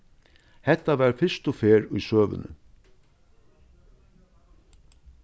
hetta var fyrstu ferð í søguni